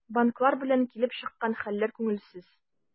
Банклар белән килеп чыккан хәлләр күңелсез.